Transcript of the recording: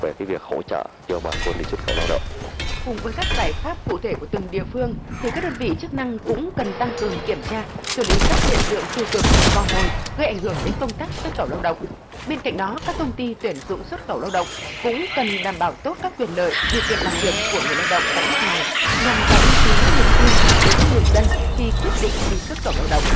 và cái việc hỗ trợ cho bà con đi xuất khẩu lao động cùng với các giải pháp cụ thể của từng địa phương thì các đơn vị chức năng cũng cần tăng cường kiểm tra xử lý các hiện tượng tiêu cực cò mồi gây ảnh hưởng đến công tác xuất khẩu lao động bên cạnh đó các công ty tuyển dụng xuất khẩu lao động cũng cần đảm bảo tốt các quyền lợi điều kiện làm việc của người lao động tại nước ngoài nhằm tạo uy tín niềm tin đối với người dân khi quyết định đi xuất khẩu lao động